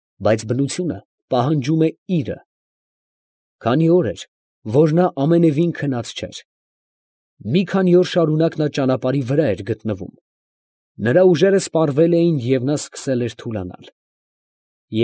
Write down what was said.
Բայց բնությունը պահանջում է իրը. քանի օր էր, որ նա ամենևին քնած չէր, մի քանի օր շարունակ նա ճանապահի վրա էր գտնվում. նրա ուժերը սպառվել էին և նա սկսել էր թուլանալ։